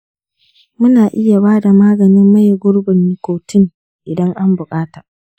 muna iya ba da maganin maye gurbin nicotine idan an buƙata.